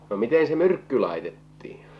no miten se myrkky laitettiin